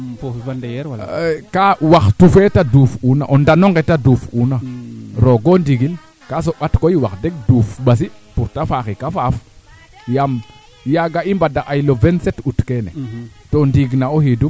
kam wat kumpa kam ret bo leyne wo jeg pisne te leyaame i mee xee mosa pis de soo leyne wo jeg gooñ le tee i im leyne ax iyo mee o koor refo de xaña koy ande me leytuuma naa mi mat maaga taxu um leyaa